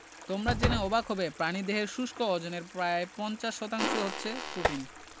তোমরা জেনে অবাক হবে প্রাণীদেহের শুষ্ক ওজনের প্রায় ৫০% হচ্ছে প্রোটিন